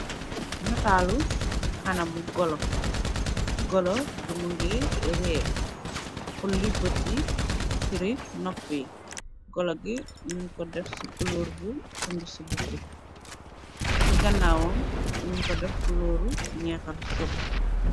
Nataalu kanamu golo. Golo bi mu ngi ree, hulli bët yi, firi nopp yi. Golo bi ñuñ ko def ci kulooru bu sung ci bukki. Ci gannaawoom ñun ko def kulooru ñeeham sub.